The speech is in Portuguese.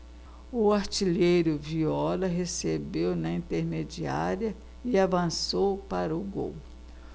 o artilheiro viola recebeu na intermediária e avançou para o gol